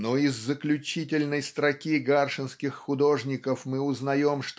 Но из заключительной строки гаршинских "Художников" мы узнаем